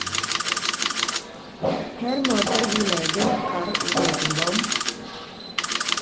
Her møter vi legen Carl Rosenbaum.